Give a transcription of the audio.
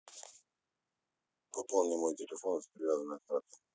пополни мой телефон с привязанной карты